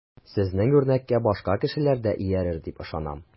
Сезнең үрнәккә башка кешеләр дә иярер дип ышанам.